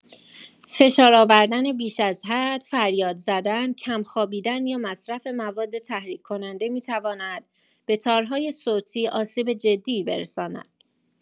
فشار آوردن بیش از حد، فریاد زدن، کم خوابیدن یا مصرف مواد تحریک‌کننده می‌تواند به تارهای صوتی آسیب جدی برساند.